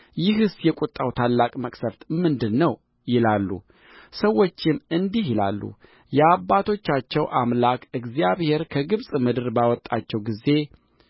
ይህስ የቍጣው ታላቅ መቅሠፍት ምንድር ነው ይላሉ ሰዎችም እንዲህ ይላሉ የአባቶቻቸው አምላክ እግዚአብሔር ከግብፅ ምድር ባወጣቸው ጊዜ